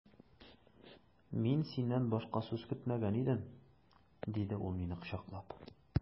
Мин синнән башка сүз көтмәгән идем, диде ул мине кочаклап.